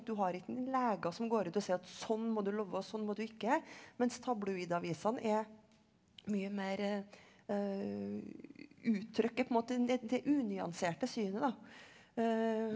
du har ikke noen leger som går ut og sier at sånn må du leve, sånn må du ikke, mens tabloidavisene er mye mer uttrykket på en måte det det unyanserte synet da .